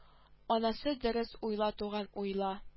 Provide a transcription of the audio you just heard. Анасы дөрес уйла туган уйла